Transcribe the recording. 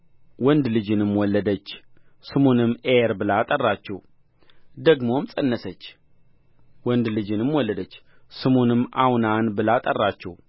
ወንድ ልጅንም ወለደች ስሙንም ዔር ብላ ጠራችው ደግሞም ፀነሰች ወንድ ልጅንም ወለደች ስሙንም አውናን ብላ ጠራችው